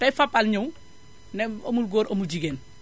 tay Fapal ñëw ne amul góor amul jigéen